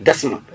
des na